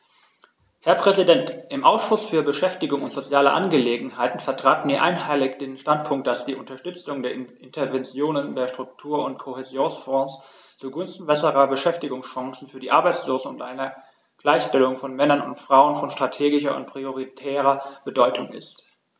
Herr Präsident, im Ausschuss für Beschäftigung und soziale Angelegenheiten vertraten wir einhellig den Standpunkt, dass die Unterstützung der Interventionen der Struktur- und Kohäsionsfonds zugunsten besserer Beschäftigungschancen für die Arbeitslosen und einer Gleichstellung von Männern und Frauen von strategischer und prioritärer Bedeutung ist.